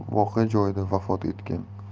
olib voqea joyida vafot etgan